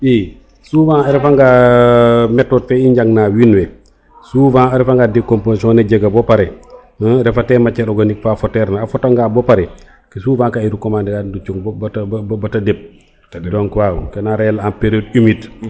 i souvent a refa nga methode fe i njang na wiin we souvent a refa nga decomposition ne jega ba pare refate matiere organique fa foteer na a fota nga bo pare souvent ka i recomander a lujum bata bata deɓ waaw kena leyel en periode humide